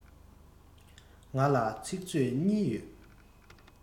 ང ལ ཚིག མཛོད གཉིས ཡོད